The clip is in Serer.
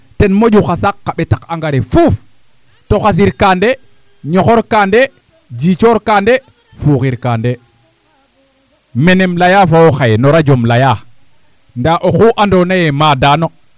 ten moƴu xa saq xa ɓetaq engrais fuuf to xasirkaandee ñoxorkaandee jicoorkaandee fuxirkaanee menem layaa fo wo' xaye no radio um layaa ndaa oxu andoona yee maadan o